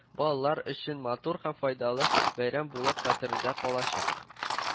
Балалар өчен матур һәм файдалы бәйрәм булып хәтердә калачак